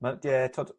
Ma' ie t'od